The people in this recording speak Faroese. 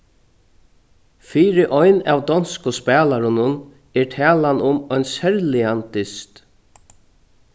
fyri ein av donsku spælarunum er talan um ein serligan dyst